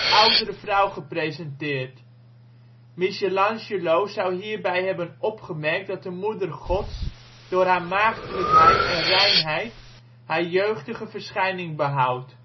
oudere vrouw gepresenteerd. Michelangelo zou hierbij hebben opgemerkt dat de moeder Gods door haar maagdelijkheid en reinheid haar jeugdige verschijning behoudt